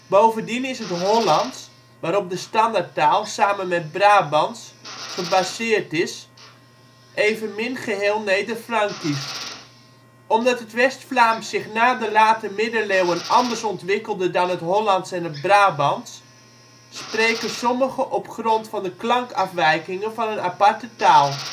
Bovendien is het Hollands, waarop de standaardtaal (samen met Brabants) gebaseerd is, evenmin geheel Nederfrankisch. Omdat het West-Vlaams zich na de Late Middeleeuwen anders ontwikkelde dan het Hollands en het Brabants, spreken sommigen op grond van de klankafwijkingen van een aparte taal